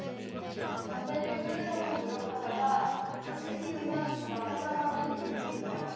담배를 끊으려고 노력하다가 다시 피우면 낙오자가 된 기분일 거야